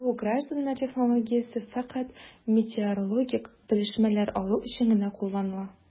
Бу гражданнар технологиясе фәкать метеорологик белешмәләр алу өчен генә кулланыла...